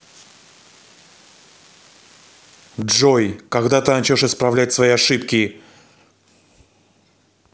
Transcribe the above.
джой когда ты начнешь исправлять свои ошибки